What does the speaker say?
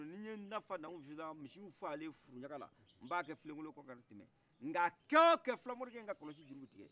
ni ye dafa namu bisimila misiw fale furuɲakala mb' akɛ filen kolon kɔnɔ ka tɛmɛ nka kɛ o kɛ filakɛ ka kɔlɔsi juru bɛ tikɛra